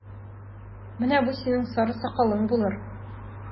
Менә бу синең сары сакалың булыр!